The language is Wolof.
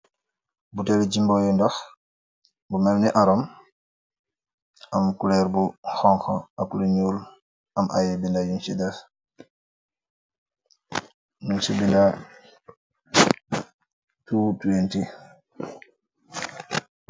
Buteel li jombo yi ndox, bu melni arom, am kubeer bu xonxa ak lu ñuul, am ay binda yuñ ci def, nyun ci binda 220.